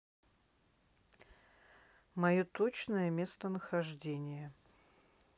мое точное местонахождение